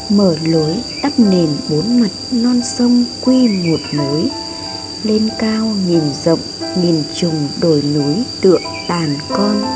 mở lối đắp nền bốn mặt non sông quy một mối lên cao nhìn rộng nghìn trùng đồi núi tựa đàn con